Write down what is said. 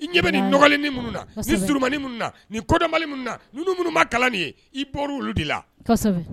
I ɲɛ bɛ ni nɔgɔlen nin minnu na; kosɛbɛ; nin surumani minnu na, nin kodɔnbali minnu na, ninnu minnu ma kalan nin ye, i bɔra olu de la; kosɛbɛ.